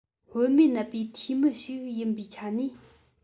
བུད མེད ནད པའི འཐུས མི ཞིག ཡིན པའི ཆ ནས